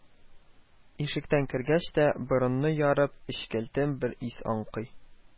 Ишектән кергәч тә, борынны ярып, әчкелтем бер ис аңкый